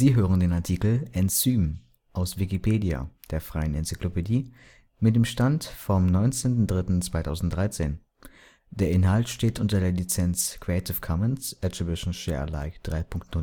hören den Artikel Enzym, aus Wikipedia, der freien Enzyklopädie. Mit dem Stand vom Der Inhalt steht unter der Lizenz Creative Commons Attribution Share Alike 3 Punkt